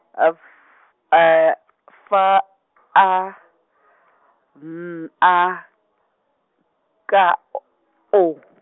F va- A, N A, K , O .